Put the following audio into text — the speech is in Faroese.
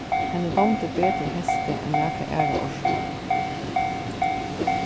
henni dámdi betur heystið enn nakra aðra árstíð